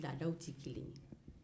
laadaw tɛ kelen ye